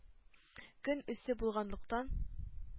Көн эссе булганлыктан,